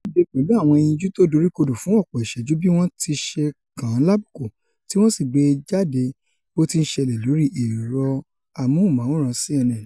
Ó dìde pẹ̀lú àwọn ẹyinjú tó doríkodò fún ọ̀pọ̀ ìṣẹ́jú bí wọ́n tiṣe kàn an lábùkù, tí wọ́n sì gbé e jáde bóti ń ṣẹlẹ̀ lóri ẹ̀rọ amóhùnmáwòrán CNN.